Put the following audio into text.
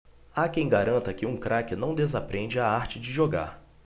há quem garanta que um craque não desaprende a arte de jogar